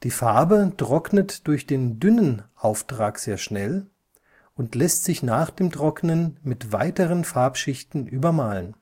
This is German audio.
Farbe trocknet durch den dünnen Auftrag sehr schnell und lässt sich nach dem Trocknen mit weiteren Farbschichten übermalen